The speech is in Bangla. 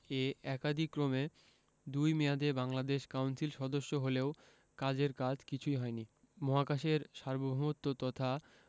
এ একাদিক্রমে দুই মেয়াদে বাংলাদেশ কাউন্সিল সদস্য হলেও কাজের কাজ কিছুই হয়নি মহাকাশের সার্বভৌমত্ব তথা